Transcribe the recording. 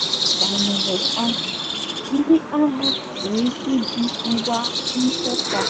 Ozugbo e debanyere aha, ndị ahịa nwere ike iji ngwa M-Pesa